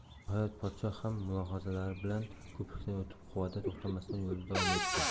nihoyat podshoh ham mulozimlari bilan ko'prikdan o'tib quvada to'xtamasdan yo'lida davom etdi